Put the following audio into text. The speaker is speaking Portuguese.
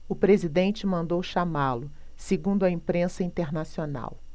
o presidente mandou chamá-lo segundo a imprensa internacional